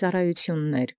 Սպասաւորութիւնսն։